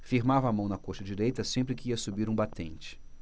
firmava a mão na coxa direita sempre que ia subir um batente